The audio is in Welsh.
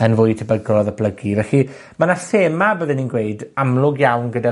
yn fwy tebygol o ddatblygu. Felly, ma' 'na thema, byddwn i'n gweud, amlwg iawn gyda'r